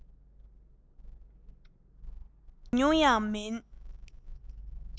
ཉུང ཉུང ཡང མིན